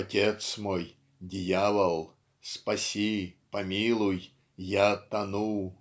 Отец мой, Дьявол, Спаси, помилуй, -- я тону.